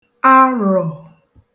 arọ̀